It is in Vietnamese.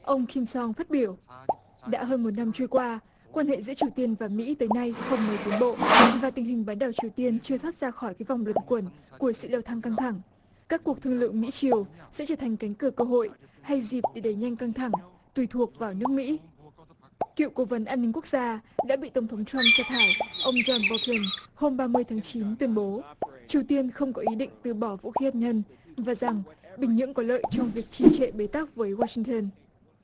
ông kim soong phát biểu đã hơn một năm trôi qua quan hệ giữa triều tiên và mỹ tới nay không mấy tiến bộ và tình hình bán đảo triều tiên chưa thoát ra khỏi cái vòng luẩn quẩn của sự leo thang căng thẳng các cuộc thương lượng mỹ triều sẽ trở thành cánh cửa cơ hội hay dịp để đẩy nhanh căng thẳng tùy thuộc vào nước mỹ cựu cố vấn an ninh quốc gia đã bị tổng thống trăm sa thải ông gion bâu từn hôm ba mươi tháng chín tuyên bố triều tiên không có ý định từ bỏ vũ khí hạt nhân và rằng bình nhưỡng có lợi trong việc trì trệ bế tắc với goa sinh từn